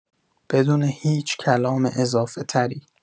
بدون هیچ کلام اضافه‌تری